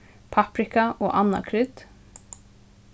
paprika og annað krydd